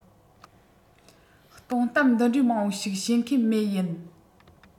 སྟོང གཏམ འདི འདྲའི མང པོ ཞིག བཤད མཁན མེད ཡིན